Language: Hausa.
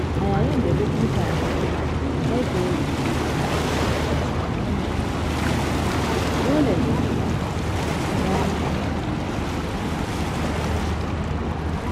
A yayin da duk mutanen kirkin Ivory da Ghana suka shiga cikin wannan abotar, dole ne kuma mu dage a kan mas'aloli masu muhimmanci.